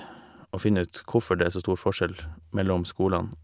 Og finne ut hvorfor det er så stor forskjell mellom skolene.